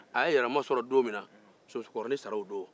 a y'a yɛrɛ masɔrɔ don min na somusokɔrɔnin sara o don